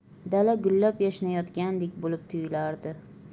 dala gullab yashnayotgandek bo'lib tuyulardi